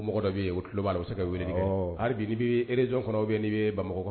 ni mɔgɔ dɔ bɛ ye n'o tulo b'ala o bɛ se ka weelelii kɛ'awɔ, hali bi ni bɛ region kɔnɔ ou bien ni bɛ Bamakɔ